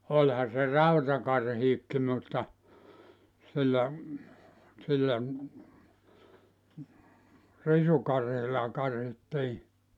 olihan se rautakarhikin mutta sillä sillä risukarhilla karhittiin